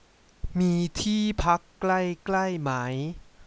มีที่พักใกล้ใกล้ไหม